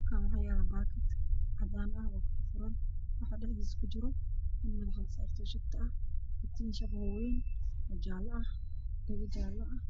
Waa kartoon midabkiis yahay caddaan waxaa saaran katihiin midabkiis yahay dahabi oo ah